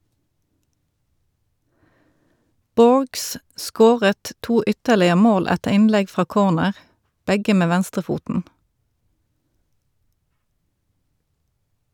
Borges scoret to ytterligere mål etter innlegg fra corner , begge med venstrefoten.